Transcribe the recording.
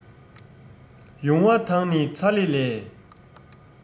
ཡུང བ དང ནི ཚ ལེ ལས